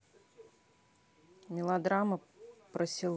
мелодрама про село